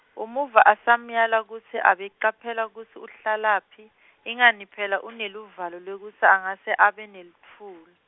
Umuva asamyala kutsi abe caphela kutsi uhlalaphi, ingani phela uneluvalo lekutsi angase abe nelutfuli.